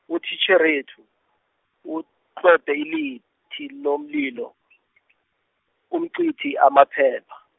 utitjherethu, utlwebhe ilithi lomlilo , umcithi amaphepha.